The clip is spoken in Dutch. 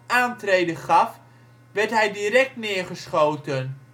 aantreden gaf, werd hij direct neergeschoten